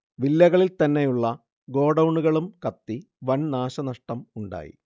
വില്ലകളിൽ തന്നെയുള്ള ഗോഡൗണുകളും കത്തി വൻ നാശന്ഷടം ഉണ്ടായി